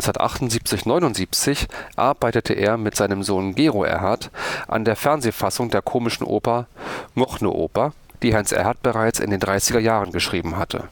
1978/79 arbeitete er mit seinem Sohn Gero Erhardt an der Fernsehfassung der komischen Oper „ Noch ' ne Oper “, die Heinz Erhardt bereits in den 30er Jahren geschrieben hatte